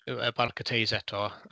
Yy Barc Cathays eto.